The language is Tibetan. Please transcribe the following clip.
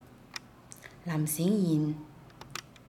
ལམ སེང ཡིན